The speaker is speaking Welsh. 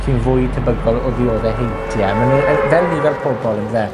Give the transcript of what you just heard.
sy'n fwy tebygol o ddiodde heintie. Ma' nw, yy, fel ni, fel pobol on'd yfe?